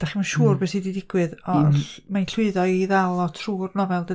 dach chi'm yn siŵr be sy' 'di digwydd, o- mae'n llwyddo i ddal o trwy'r nofel, dydi?